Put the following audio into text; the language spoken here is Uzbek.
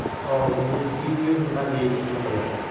og'zingni tiyib yur nima deyishingni bilasan